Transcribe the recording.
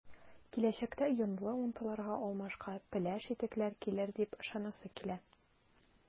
Киләчәктә “йонлы” унтыларга алмашка “пеләш” итекләр килер дип ышанасы килә.